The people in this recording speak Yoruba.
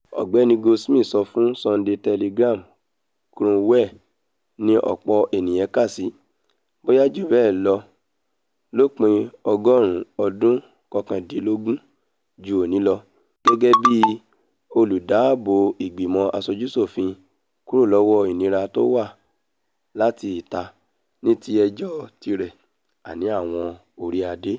Ọ̀gbẹ́ni Goldsmith sọ fún Sunday Telegraph: “Cromwell ni ọ̀pọ̀ ènìyàn kàsí, bóyá jù bẹ́ẹ̀ lọ lópin ọgọ́ọ̀rún ọdún kọkàndínlógún ju òní lọ, gẹ́gẹ́bí olùdáààbó ìgbìmọ̀ aṣojú-ṣofiń kúrò lọ́wọ́ ìnira tó ńwá láti ìta, níti ẹjọ́ tirẹ̀ àní àwọn orí-adé.